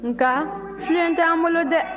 nka filen tɛ an bolo dɛ